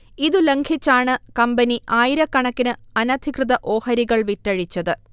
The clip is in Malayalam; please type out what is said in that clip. ഇതു ലംഘിച്ചാണ് കമ്പനി ആയിരക്കണക്കിന് അനധികൃത ഓഹരികൾ വിറ്റഴിച്ചത്